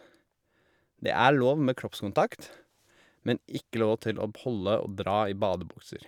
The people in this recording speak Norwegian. Det er lov med kroppskontakt, men ikke lov til å p holde og dra i badebukser.